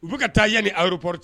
U bɛ ka taa yanni aéroport cɛ